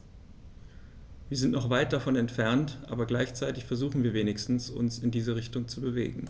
Wir sind noch weit davon entfernt, aber gleichzeitig versuchen wir wenigstens, uns in diese Richtung zu bewegen.